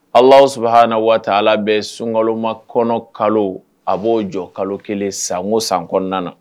Ala sɔrɔ h na waati ala bɛ sunkama kɔnɔ kalo a b'o jɔ kalo kelen sanko san kɔnɔna na